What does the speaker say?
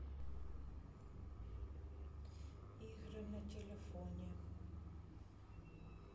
игры на телефоне